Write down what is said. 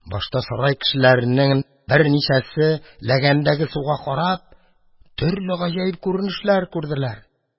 Башта сарай кешеләреннән берничәсе, ләгәндәге суга карап, төрле гаҗәп күренешләр күрделәр.